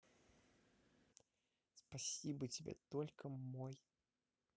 спасибо тебе только мой